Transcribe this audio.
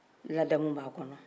ladamu bɛ a kɔnɔ